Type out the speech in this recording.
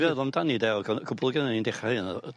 feddwl amdani 'de o' gea- cwpwl ogynnau yn dechrau yn yy yy